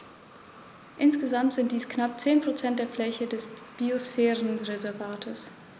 Insgesamt sind dies knapp 10 % der Fläche des Biosphärenreservates.